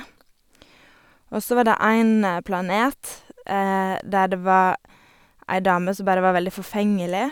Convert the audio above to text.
Og så var det en planet der det var ei dame som bare var veldig forfengelig.